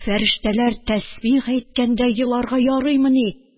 Фәрештәләр тәсбих әйткәндә еларга ярыймыни